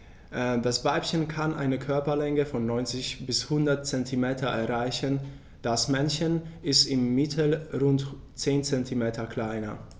Das Weibchen kann eine Körperlänge von 90-100 cm erreichen; das Männchen ist im Mittel rund 10 cm kleiner.